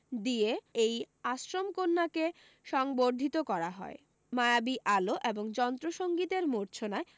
দিয়ে এই আশ্রমকন্যাকে সংবর্ধিত করা হয় মায়াবী আলো এবং যন্ত্রসংগীতের মুর্ছনায়